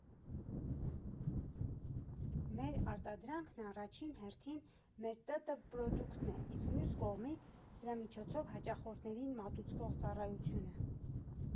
֊ Մեր արտադրանքն առաջին հերթին մեր ՏՏ պրոդուկտն է, իսկ մյուս կողմից՝ դրա միջոցով հաճախորդներին մատուցվող ծառայությունը։